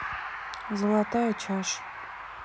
золотая чаша